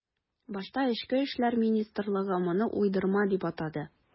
Башта эчке эшләр министрлыгы моны уйдырма дип атады.